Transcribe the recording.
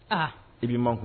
Aa i b'i man kun